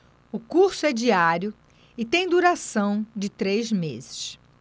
o curso é diário e tem duração de três meses